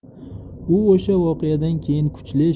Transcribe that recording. u o'sha voqeadan keyin kuchli